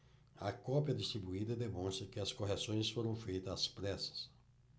a cópia distribuída demonstra que as correções foram feitas às pressas